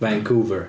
Vancouver.